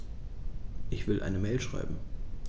Ich will eine Mail schreiben.